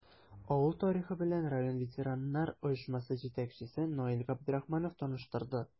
Авыл тарихы белән район ветераннар оешмасы җитәкчесе Наил Габдрахманов таныштырды.